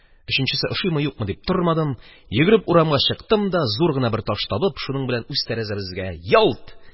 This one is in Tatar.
Өченчесе ошыймы-юкмы дип тормадым, йөгереп урамга чыктым да, зур гына бер таш табып, шуның белән үзебезнең тәрәзәбезгә – ялт